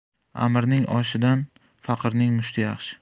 amirning oshidan faqirning mushti yaxshi